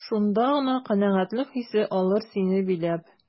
Шунда гына канәгатьлек хисе алыр сине биләп.